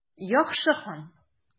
Яхшы, хан.